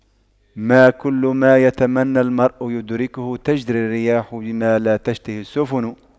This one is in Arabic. ما كل ما يتمنى المرء يدركه تجرى الرياح بما لا تشتهي السفن